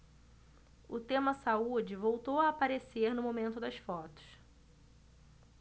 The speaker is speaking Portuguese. o tema saúde voltou a aparecer no momento das fotos